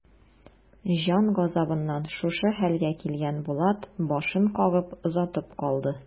Җан газабыннан шушы хәлгә килгән Булат башын кагып озатып калды.